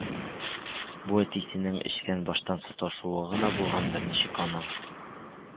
Бу әтисенең эчкән баштан саташуы гына булгандыр, ничек аның